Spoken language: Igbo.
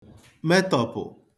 metọ̀pụ̀